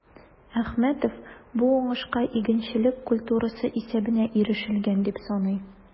Әхмәтов бу уңышка игенчелек культурасы исәбенә ирешелгән дип саный.